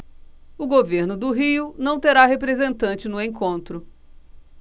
o governo do rio não terá representante no encontro